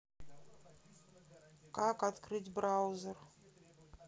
как открыть браузер